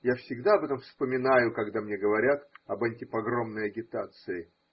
Я всегда об этом вспоминаю, когда мне говорят об антипогромной агитации.